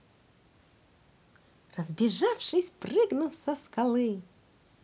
разбежавшись прыгнув со скалы